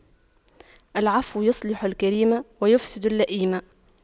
العفو يصلح الكريم ويفسد اللئيم